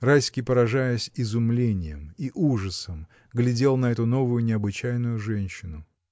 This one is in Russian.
Райский, поражаясь изумлением и ужасом, глядел на эту новую, необычайную женщину.